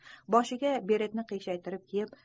boshiga beretni qiyshaytirib kiygan